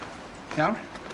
Iawn?